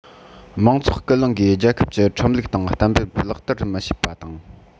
དམངས ཚོགས སྐུལ སློང གིས རྒྱལ ཁབ ཀྱི ཁྲིམས ལུགས དང གཏན འབེབས ལག བསྟར མི བྱེད པ དང